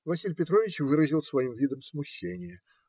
Василий Петрович выразил своим видом смущение.